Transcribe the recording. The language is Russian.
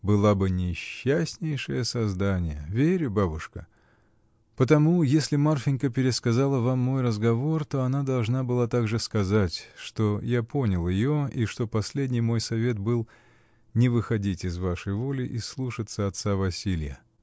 — Была бы несчастнейшее создание — верю, бабушка, — и потому, если Марфинька пересказала вам мой разговор, то она должна была также сказать, что я понял ее и что последний мой совет был — не выходить из вашей воли и слушаться отца Василья.